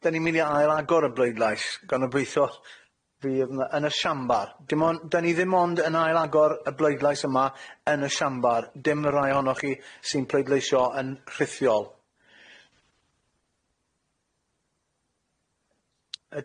'Dan ni'n mynd i ail agor y bleidlais gan obwythio fydd yn y siambar dim on- 'dan ni ddim ond yn ail agor y bleidlais yma yn y siambar dim y rhai ohonoch chi sy'n pleidleishio yn rhithiol.